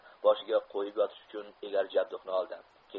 boshiga qo'yib yotish uchun egar jabduqni oldi